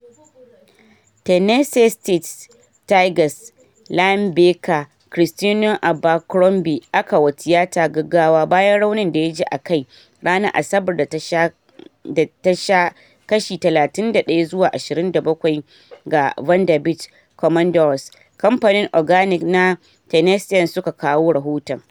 Tennessee State Tigers linebacker Christion Abercrombie aka wa tiyata gaggawa bayan raunin da ya ji a kai ranar Asabar da ta sha kashi 31-27 ga Vanderbilt Commodores, kamfanin Organic na Tennessean suka kawo rahoton.